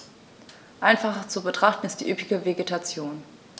Einfacher zu betrachten ist die üppige Vegetation.